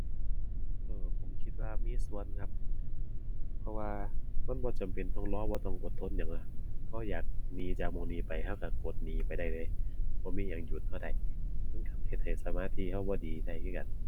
สำหรับผมคิดว่ามีส่วนครับ เพราะว่ามันบ่จำเป็นต้องรอ บ่ต้องอดทนหยังละ เราอยากหนีจากหม้องนี้ไป เราเรากดหนีไปได้เลย บ่มีหยังหยุดเราได้ ⁠มันเราเฮ็ดให้สมาธิเราบ่ดีได้คือกัน